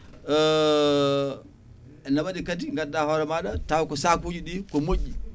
ene waɗi kadi ganduɗa hoore maɗa taw ko sakuji ɗi ko moƴƴi